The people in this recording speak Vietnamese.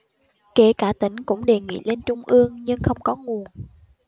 kể cả tỉnh cũng đề nghị lên trung ương nhưng không có nguồn